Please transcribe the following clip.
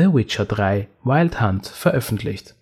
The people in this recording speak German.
Witcher 3: Wild Hunt veröffentlicht